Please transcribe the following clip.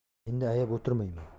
endi ayab o'tirmayman